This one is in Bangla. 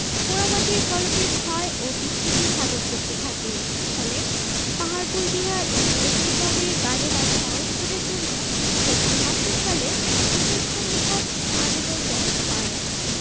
পোড়ামাটির ফলকের ক্ষয় ও বিকৃতি সাধন করতে থাকে ফলে পাহারপুর বিহার ও মসজিদ নগরী বাগেরহাট সংরক্ষণের জন্য ১৯৭৩ সালে ইউনেস্কোর নিকট আবেদন জানানো হয়